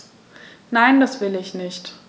Nein, das will ich nicht.